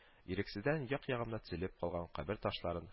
Ирексездән як-ягымда тезелеп калган кабер ташларын